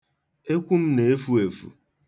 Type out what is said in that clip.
Ekwu m na-efu efu.